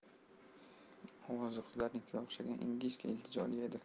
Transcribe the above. ovozi qizlarnikiga o'xshagan ingichka iltijoli edi